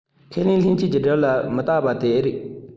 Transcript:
ཁས ལེན ལྷན སྐྱེས ཀྱི སྦྲུལ ལ མི སྐྲག པ དེ ཨེ རེད